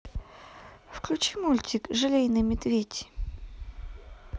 включи мультик желейный медведь